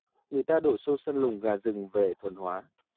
người ta đổ xô săn lùng gà rừng về thuần hóa